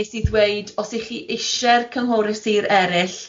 es i ddweud os y' chi isie'r cynghorau sir eraill